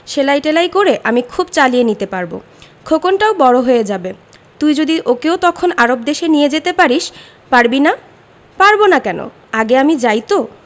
সেলাই টেলাই করে আমি খুব চালিয়ে নিতে পারব খোকনটাও বড় হয়ে যাবে তুই যদি ওকেও তখন আরব দেশে নিয়ে যেতে পারিস পারবি না পারব না কেন আগে আমি যাই তো